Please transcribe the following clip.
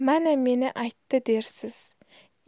mana meni aytdi dersiz